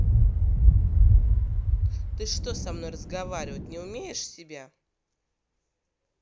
ты что со мной разговаривать не умеешь себя